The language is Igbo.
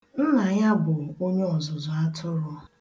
Nna ya bụ onyeọzụzụ atụrụ